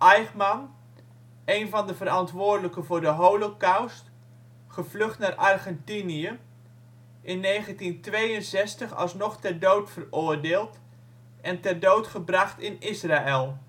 Eichmann (een van de verantwoordelijken voor de Holocaust, gevlucht naar Argentinië, in 1962 alsnog ter dood veroordeeld en ter dood gebracht in Israël